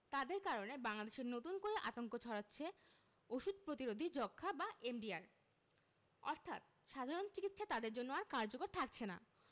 তাদের কারণে বাংলাদেশে নতুন করে আতঙ্ক ছড়াচ্ছে ওষুধ প্রতিরোধী যক্ষ্মা বা এমডিআর অর্থাৎ সাধারণ চিকিৎসা তাদের জন্য আর কার্যকর থাকছেনা